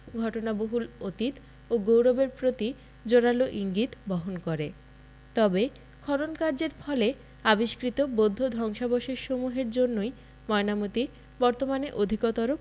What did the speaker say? ঘটনাবহুল অতীত ও গৌরবের প্রতি জোরালো ইঙ্গিত বহন করে তবে খননকার্যের ফলে আবিষ্কৃত বৌদ্ধ ধ্বংসাবশেষসমূহের জন্যই ময়নামতী বর্তমানে অধিকতর